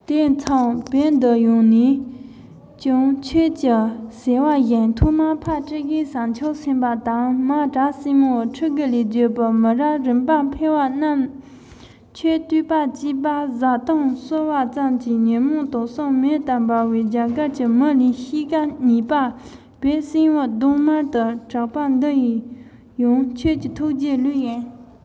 དེ མཚུངས བོད འདིར ཡོང ནས ཀྱང ཁྱོད ཀྱིས ཟེར བ བཞིན ཐོག མར ཕ སྤྲེལ རྒན བྱང ཆུབ སེམས དཔའ དང མ བྲག སྲིན མོའི ཕྲུ གུ ལས བརྒྱུད པའི མི རབས རིམ པར འཕེལ བ རྣམས ཁྱོད བལྟོས པར བཅས པ བཟའ བཏུང གསོལ བ ཙམ གྱིས ཉོན མོངས དུག གསུམ མེ ལྟར འབར བས རྒྱ གར གྱི མི ལས གཤིས ཀ ཉེས པས བོད སྲིན བུ གདོང དམར དུ གྲགས པ འདི ཡང ཁྱོད ཀྱི ཐུགས རྗེ ལོས ཡིན